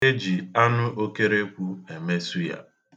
E ji anụ okerekwu eme suya.